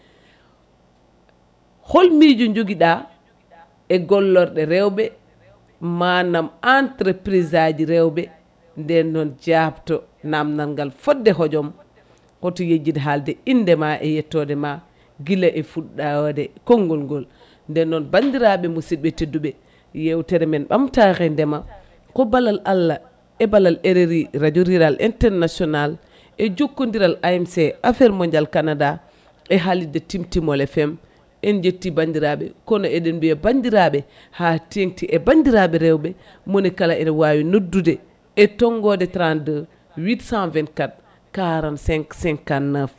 hol miijo joguiɗa e gollorɗe rewɓe manam entreprise aji rewɓe nden noon jabto namdal ngal fodde hojom woto yejjid haalde indema e yettode ma guila e fuɗɗode kongngol nden noon bandiraɓe musidɓe tedduɓe yewtere men ɓamtare ndeema ko ballal Allah e ballal RRI radio rural international e jokkodiral AMC affaire mondial Canada e haalirde Timtimol FM en jetti bandirɓe kono eɗen mbiya bnadirɓe ha tengti e bandiraɓe rewɓe monikala e wawi noddude e tonggode 32 824 45 59